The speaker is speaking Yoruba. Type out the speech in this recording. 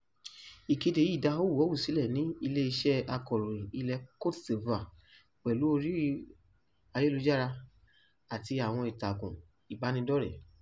Ìkéde yìí dá họ́wùhọ́wù sílẹ̀ ní ilé-iṣẹ́ akọ̀ròyìn ilẹ̀ Cote d'Ivoire pẹ̀lú orí ayélujára àti àwọn ìtakùn ìbánidọ́rẹ̀ẹ́.